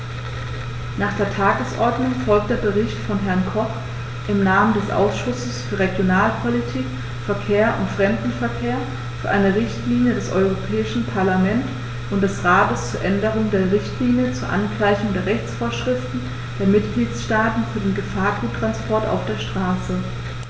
Nach der Tagesordnung folgt der Bericht von Herrn Koch im Namen des Ausschusses für Regionalpolitik, Verkehr und Fremdenverkehr für eine Richtlinie des Europäischen Parlament und des Rates zur Änderung der Richtlinie zur Angleichung der Rechtsvorschriften der Mitgliedstaaten für den Gefahrguttransport auf der Straße.